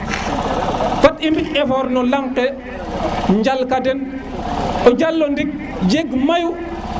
fat i mbi effort no lang ke njal ka den o jalo ndik jeg mayu